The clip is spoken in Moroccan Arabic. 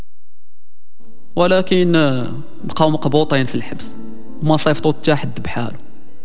ولكن كان في الحبس ما صفه التشهد بحار